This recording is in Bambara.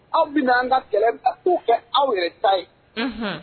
Aw bɛna an ka kɛlɛbakulu kɛ aw ye ta ye